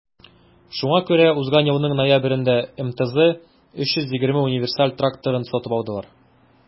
Шуңа күрә узган елның ноябрендә МТЗ 320 универсаль тракторын сатып алдылар.